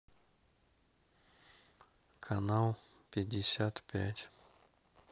канал пятьдесят пять